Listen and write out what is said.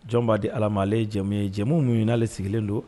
Jɔn'a di ala maale jamu ye jɛ ninnu ɲiniale sigilen don